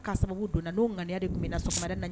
K'a sababu don n na n'o ŋaniya de tun bɛ n na